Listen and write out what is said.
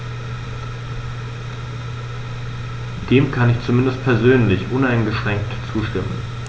Dem kann ich zumindest persönlich uneingeschränkt zustimmen.